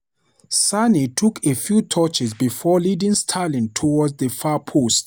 Sane took a few touches before leading Sterling toward the far post.